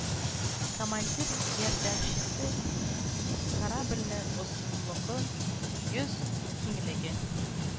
Командир ярдәмчесе корабльне озынлыгы йөз, киңлеге